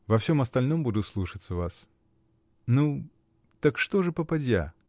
Во всем остальном буду слушаться вас. Ну, так что же попадья?